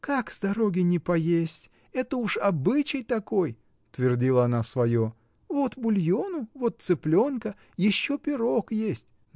— Как с дороги не поесть: это уж обычай такой! — твердила она свое. — Вот бульону, вот цыпленка. Еще пирог есть.